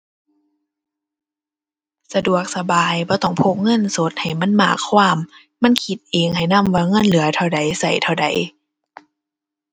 สะดวกสบาย บ่ต้องพกเงินสดให้มันมากความ มันคิดเองให้นำว่าเงินเหลือเท่าใด ใช้เท่าใด